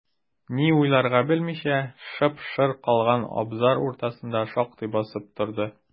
Ни уйларга белмичә, шып-шыр калган абзар уртасында шактый басып торды.